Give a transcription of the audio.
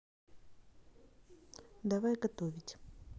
давай готовить